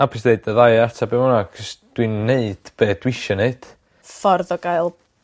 hapus ddeud y ddau atab i wnna 'c'os dwi'n neud be' dwi isie neud. Ffordd o gael